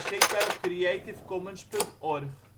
5° 59 ' OL